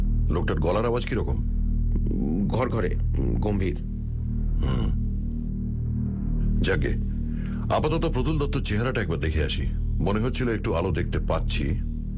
লোকটার গলার আওয়াজ কীরকম ঘড়ঘড়ে গম্ভীর হু যাক গে আপাতত প্রতুল দত্তর চেহারাটা একবার দেখে আসি মনে হচ্ছিল একটু আলো দেখতে পাচ্ছি